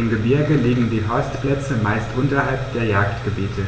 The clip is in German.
Im Gebirge liegen die Horstplätze meist unterhalb der Jagdgebiete,